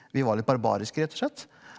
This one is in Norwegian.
vi var litt barbariske rett og slett.